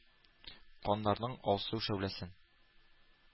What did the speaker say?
Каннарының алсу шәүләсен...